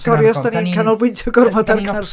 Sori os dan ni'n canolbwyntio gormod ar Gaernarfon.